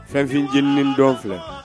Fɛnfincinin dɔn filɛ